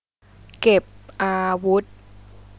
เก็บอาวุธ